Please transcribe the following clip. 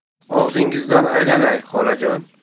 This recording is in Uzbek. og'zingizdan aylanay xolajon